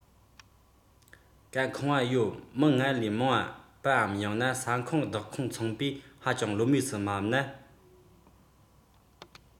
བཀའ ཁང བ ཡོད མི སྔར ལས མང བར པའམ ཡང ན ས ཁང བདག ཁོངས ཚོང པས ཧ ཅང བློ མོས སུ མ བབས ན